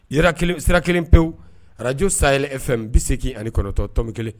Sira kelen pewu radio sahel fm 89. 1